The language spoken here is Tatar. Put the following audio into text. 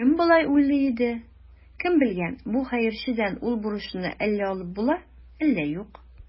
Ул болай уйлый иде: «Кем белгән, бу хәерчедән ул бурычны әллә алып була, әллә юк".